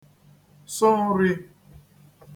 sụ nrī